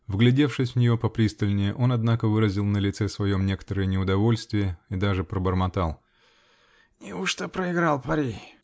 Вглядевшись в нее попристальнее, он, однако, выразил на лице своем некоторое неудовольствие -- и даже пробормотал: -- Неужто проиграл пари?